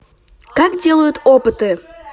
как делают опыты